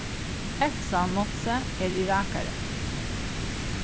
elsa nolsøe er irakari